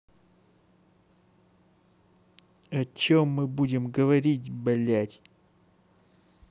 о чем мы будем говорить блядь